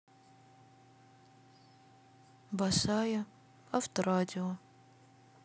босая авторадио